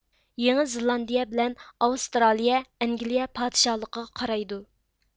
يېڭى زېللاندىيە بىلەن ئاۋسترالىيە ئەنگلىيە پادىشاھلىقىغا قارايدۇ